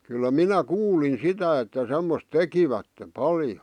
kyllä minä kuulin sitä että semmoista tekivät paljon